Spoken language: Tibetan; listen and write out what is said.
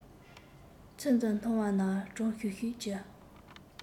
ཚུལ འདི མཐོང བ ན གྲང ཤུར ཤུར གྱི